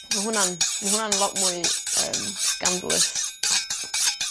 ma' hwnna'n ma' hwnna'n lot mwy yym scandalous.